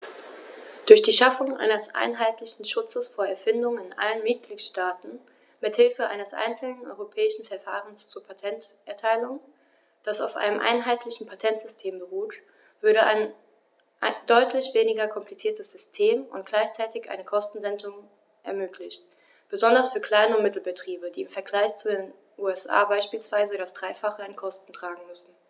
Durch die Schaffung eines einheitlichen Schutzes von Erfindungen in allen Mitgliedstaaten mit Hilfe eines einzelnen europäischen Verfahrens zur Patenterteilung, das auf einem einheitlichen Patentsystem beruht, würde ein deutlich weniger kompliziertes System und gleichzeitig eine Kostensenkung ermöglicht, besonders für Klein- und Mittelbetriebe, die im Vergleich zu den USA beispielsweise das dreifache an Kosten tragen müssen.